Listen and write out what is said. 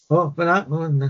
O, ma' 'na